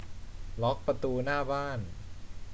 ล็อคประตูหน้าบ้าน